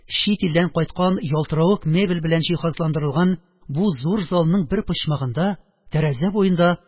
Чит илдән кайткан ялтыравык мебель белән җиһазландырылган бу зур залның бер почмагында, тәрәзә буенда,